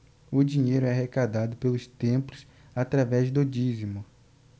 o dinheiro é arrecadado pelos templos através do dízimo